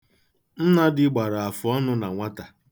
Nnadi gbara afụọnụ na nwata.